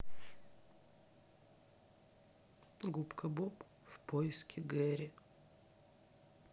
губка боб в поиске гэри